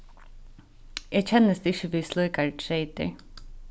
eg kennist ikki við slíkar treytir